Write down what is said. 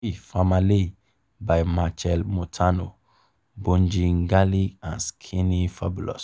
3. "Famalay" by Machel Montano, Bunji Garlin and Skinny Fabulous